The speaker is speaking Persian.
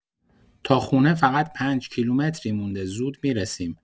تا خونه فقط پنج‌کیلومتری مونده، زود می‌رسیم.